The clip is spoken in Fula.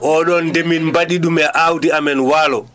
oo ɗoon nde min mbaɗi ɗum e aawdi amen waalo